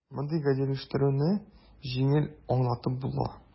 Мондый "гадиләштерү"не җиңел аңлатып була: